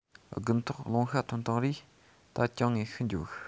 དགུན ཐོག རླུང ཤ ཐོན བཏང རས ད གྱང ངས ཤི འགྱོ གི